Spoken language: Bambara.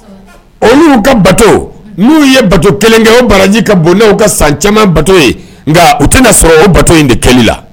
Olu ka bato n'u ye bato 1 kɛ o baraji ka bon n'u ka san caman bato ye nkaa u tena sɔrɔ o bato in de kɛli la